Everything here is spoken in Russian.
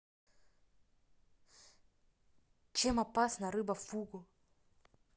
чем опасна рыба фугу